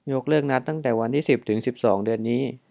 ยกเลิกนัดตั้งแต่วันที่สิบถึงสิบสองเดือนนี้